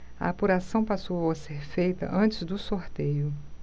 a apuração passou a ser feita antes do sorteio